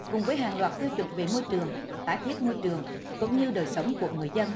cùng với hàng loạt tiêu chuẩn về môi trường tái thiết môi trường cũng như đời sống của người dân